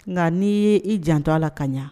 Nka n'i y i jantɔ la kaɲa